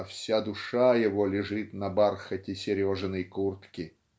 а вся душа его лежит на бархате Сережиной куртки"?